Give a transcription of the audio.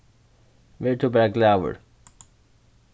ver tú bara glaður